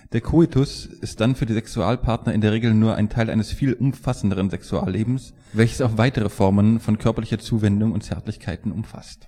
Der Koitus ist dann für die Sexualpartner in der Regel nur ein Teil eines viel umfassenderen Sexuallebens, welches auch weitere Formen von körperlichen Zuwendung und Zärtlichkeiten umfasst